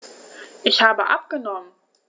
Ich habe abgenommen.